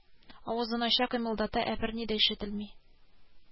Авызын ача кыймылдата ә берни дә ишетелми